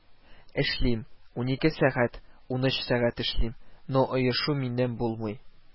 Эшлим, унике сәгать, унөч сәгать эшлим, но оешу миннән булмый